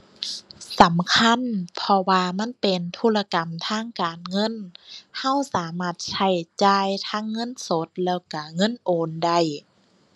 สำคัญ เพราะว่ามันเป็นธุรกรรมทางการเงิน เราสามารถใช้จ่ายทั้งเงินสดแล้วเราเงินโอนได้